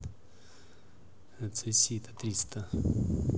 отсоси это триста